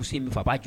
U sen min faa b'a jɔ